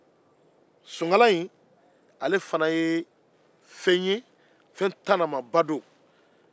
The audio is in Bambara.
sonkala ye fɛ tanamaba ye